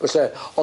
Byse.